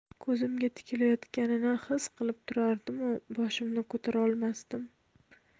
ko'zimga tikilayotganini his qilib turardimu boshimni ko'tarolmasdim